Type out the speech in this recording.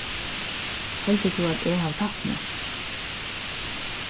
heldur tú at eg havi tapt meg